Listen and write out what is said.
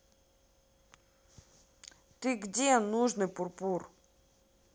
ты где нужных пурпур